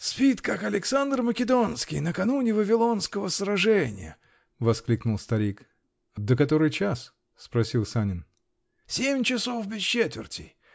-- Спит, как Александр Македонский накануне вавилонского сражения !-- воскликнул старик. -- Да который час? -- спросил Санин. -- Семь часов без четверти